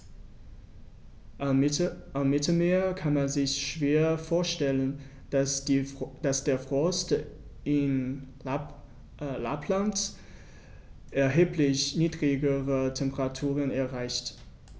Am Mittelmeer kann man sich schwer vorstellen, dass der Frost in Lappland erheblich niedrigere Temperaturen erreicht.